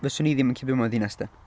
Fyswn i ddim yn gallu byw mewn ddinas de.